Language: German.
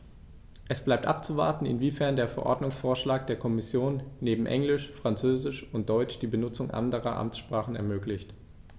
Es bleibt abzuwarten, inwiefern der Verordnungsvorschlag der Kommission neben Englisch, Französisch und Deutsch die Benutzung anderer Amtssprachen ermöglicht.